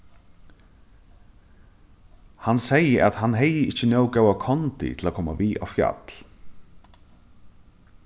hann segði at hann hevði ikki nóg góða kondi til at koma við á fjall